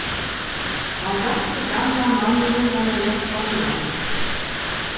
hann rætti gamla manninum eina hjálpandi hond